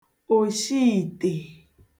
òshiìtè